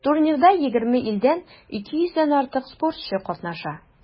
Турнирда 20 илдән 200 дән артык спортчы катнаша.